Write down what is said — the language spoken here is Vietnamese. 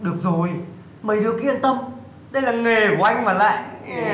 được rồi mấy đứa cứ yên tâm đây là nghề của anh mà lại